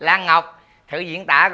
lan ngọc thử diễn tả